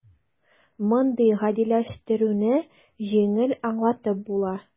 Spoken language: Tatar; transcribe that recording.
Мондый "гадиләштерү"не җиңел аңлатып була: